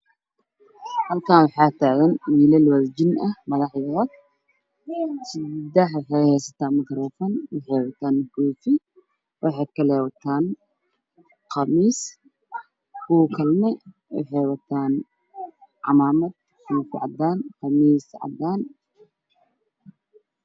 Halkaan waxaa taagan wiilal wada jin ah, seddex waxay heystaan makaroofano, waxay wataan koofi , qamiisyo. Kuwa kalana waxay wataan cimaamad, koofiyo cadaan iyo qamiisyo cadaan ah.